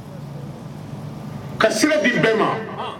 Ka sira di bɛ ma ɔnh